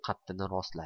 qaddini rostladi